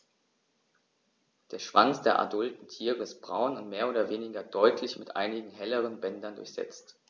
Der Schwanz der adulten Tiere ist braun und mehr oder weniger deutlich mit einigen helleren Bändern durchsetzt.